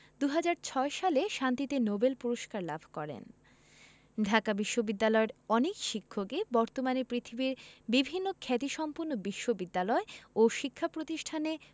২০০৬ সালে শান্তিতে নোবেল পূরস্কার লাভ করেন ঢাকা বিশ্ববিদ্যালয়ের অনেক শিক্ষকই বর্তমানে পৃথিবীর বিভিন্ন খ্যাতিসম্পন্ন বিশ্ববিদ্যালয় ও শিক্ষা প্রতিষ্ঠানে